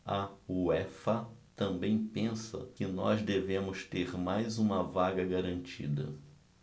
a uefa também pensa que nós devemos ter mais uma vaga garantida